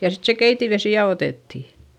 ja sitten se keitinvesi ja otettiin